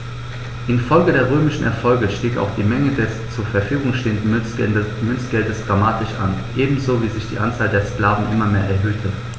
Infolge der römischen Erfolge stieg auch die Menge des zur Verfügung stehenden Münzgeldes dramatisch an, ebenso wie sich die Anzahl der Sklaven immer mehr erhöhte.